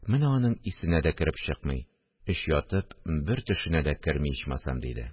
Менә аның исенә дә кереп чыкмый, өч ятып, бер төшенә дә керми ичмасам! – диде